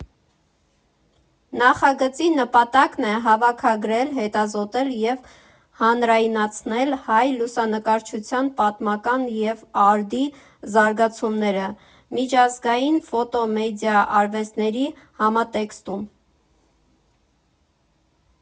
Նախագծի նպատակն է հավաքագրել, հետազոտել և հանրայնացնել հայ լուսանկարչության պատմական և արդի զարգացումները, միջազգային ֆոտո֊մեդիա արվեստների համատեքստում։